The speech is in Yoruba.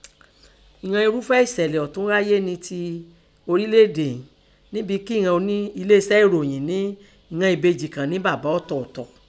Ìnan erúfẹ́ ẹṣẹ̀lẹ̀ ọ́ tún háyé nẹ́ tẹ ọrílẹ̀ èdè ìín nẹbin kí ìnan eléeṣẹ́ ẹ̀ròyìn nẹ ìnan ẹ̀bejì kàn nẹ́ bàbá ọ̀tọ̀ọ̀tọ̀.